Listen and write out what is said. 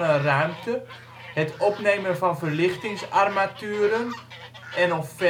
ruimte; opnemen van verlichtingsarmaturen en of ventilatie